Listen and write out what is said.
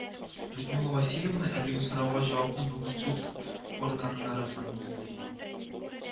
Людмила Васильевна әлеге сорауга җавапны бүген суд органнарыннан эзли